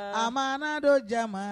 A ma don jama